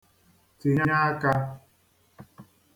-tinye aka